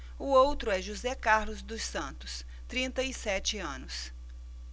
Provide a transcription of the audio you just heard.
o outro é josé carlos dos santos trinta e sete anos